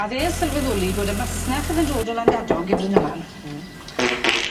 A o'dd e'n sylweddoli bod y masnach o'dd yn dod o Langadog i Bryn Aman. Hmm. .